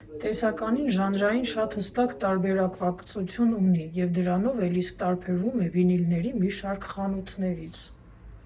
Տեսականին ժանրային շատ հստակ տարբերակվածություն ունի և դրանով էլ իսկ տարբերվում է վինիլների մի շարք խանութներից։